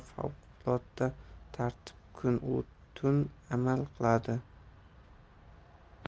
kun u tun amal qiladi